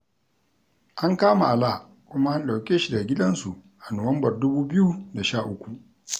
An kama Alaa kuma aka ɗauke shi daga gidansu a Nuwambar 2013.